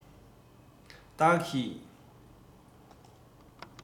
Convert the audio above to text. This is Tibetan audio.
བདག གིས